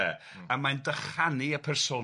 ...a mae'n dychanu y persona.